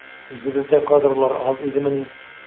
Үзебездә кадрлар аз идемени?